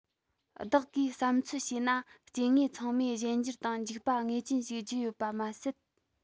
བདག གིས བསམ ཚོད བྱས ན སྐྱེ དངོས ཚང མས གཞན འགྱུར དང འཇིག པ ངེས ཅན ཞིག བརྒྱུད ཡོད པ མ ཟད